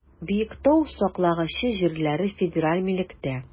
Биектау саклагычы җирләре федераль милектә.